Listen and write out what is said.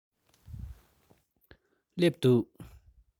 སླེབས འདུག